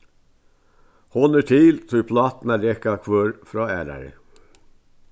hon er til tí pláturnar reka hvør frá aðrari